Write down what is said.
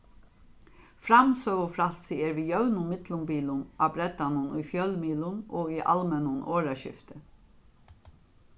framsøgufrælsið er við jøvnum millumbilum á breddanum í fjølmiðlum og í almennum orðaskifti